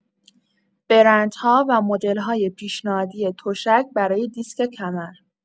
برندها و مدل‌های پیشنهادی تشک برای دیسک کمر